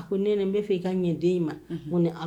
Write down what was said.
Ko Nɛnɛ n ne fɛ ki ka ɲɛ den in ma, u ni